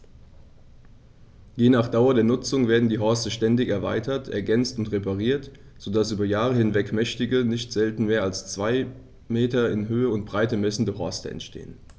Je nach Dauer der Nutzung werden die Horste ständig erweitert, ergänzt und repariert, so dass über Jahre hinweg mächtige, nicht selten mehr als zwei Meter in Höhe und Breite messende Horste entstehen.